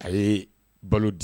A ye balo di